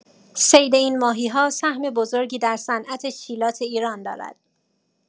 صید این ماهی‌ها سهم بزرگی در صنعت شیلات ایران دارد.